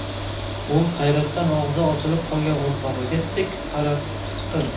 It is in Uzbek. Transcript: u hayratdan og'zi ochilib qolgan o'rtog'iga tik qarab qichqirdi